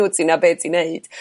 wti na be ti'n neud